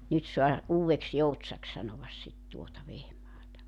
nyt saa Uudeksi-Joutsaksi sanoa sitten tuota Vehmaata